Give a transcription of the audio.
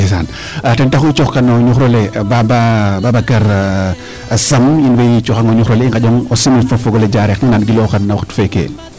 ten taxu i coox kan o ñuxrole Babacar SAMB in way cooxang o ñuxrole i ŋanjong o simin fo o fogole Diarekh na nan giloxang no waxtu feeke